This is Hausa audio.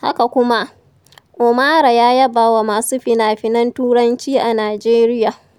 Haka kuma, Omarah ya yaba wa masu finafinan Turanci na Nijeriya.